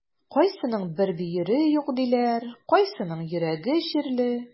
Кайсының бер бөере юк диләр, кайсының йөрәге чирле.